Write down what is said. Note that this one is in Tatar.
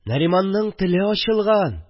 – нариманның теле ачылган